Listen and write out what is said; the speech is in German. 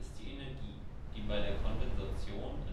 die Energie, die bei der Kondensation